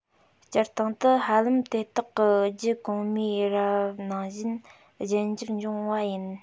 སྤྱིར བཏང དུ ཧ ལམ དེ དག གི རྒྱུད གོང མའི རབས ནང བཞིན གཞན འགྱུར འབྱུང བ ཡིན